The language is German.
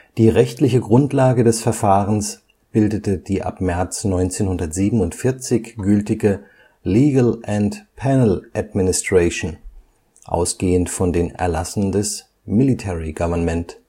Die rechtliche Grundlage des Verfahrens bildete die ab März 1947 gültige Legal and Penal Administration, ausgehend von den Erlassen des Military Government